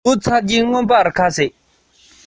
ཕྲུ གུ ཆུང ཆུང ཞིག གི སྣ ནས